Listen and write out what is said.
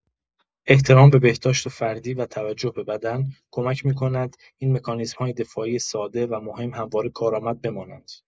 احترام به بهداشت فردی و توجه به بدن، کمک می‌کند این مکانیسم‌های دفاعی ساده و مهم همواره کارآمد بمانند.